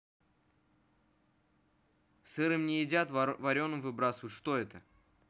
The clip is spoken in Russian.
сырым не едят вареным выбрасывают что это